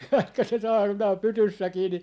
vaikka se saarnaa pytyssäkin niin